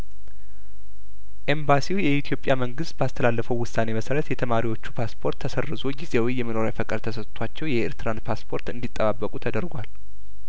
ኤምባሲው የኢትዮጵያ መንግስት ባስተላለፈው ውሳኔ መሰረት የተማሪዎቹ ፓስፖርት ተሰርዞ ጊዜያዊ የመኖሪያ ፈቃድ ተሰቷቸው የኤርትራን ፓስፖርት እንዲ ጠባበቁ ተደርጓል